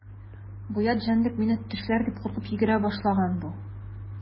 Бу ят җәнлек мине тешләр дип куркып йөгерә башлаган бу.